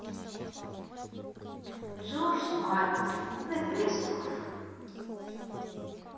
джордж майкл зе бест оф